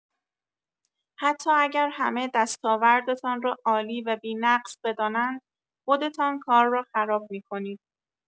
حتی اگر همه دستاوردتان را عالی و بی‌نقص بدانند، خودتان کار را خراب می‌کنید.